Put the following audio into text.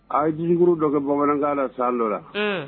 A ye jirikuru dɔ kɛ bamanankan la san dɔ la